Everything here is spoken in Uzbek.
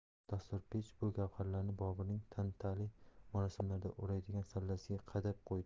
dastorpech bu gavharlarni boburning tantanali marosimlarda o'raydigan sallasiga qadab qo'ydi